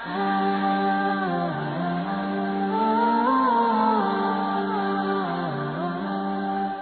San